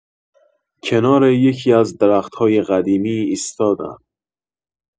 کنار یکی‌از درخت‌های قدیمی ایستادم؛